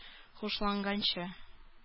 Хушланганчы